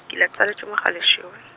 ke la tsaletswe mo Galeshewe.